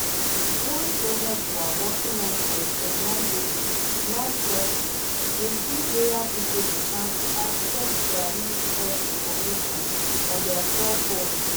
One project we are working on for a Kenya-based non-profit will give rural people the chance to access Swahili health information on their cell phones.